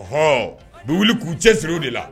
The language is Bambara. Ɔhɔ! u bɛ wuli k'u cɛ siri u de la